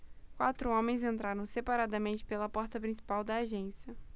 quatro homens entraram separadamente pela porta principal da agência